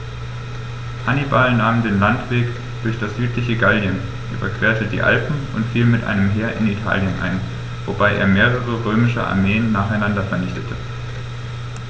Hannibal nahm den Landweg durch das südliche Gallien, überquerte die Alpen und fiel mit einem Heer in Italien ein, wobei er mehrere römische Armeen nacheinander vernichtete.